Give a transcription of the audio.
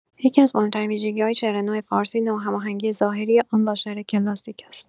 یکی‌از مهم‌ترین ویژگی‌های شعر نو فارسی، ناهماهنگی ظاهری آن با شعر کلاسیک است.